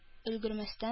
Өлгермәстән